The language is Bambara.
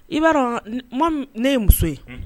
I b'a dɔn ne ye muso ye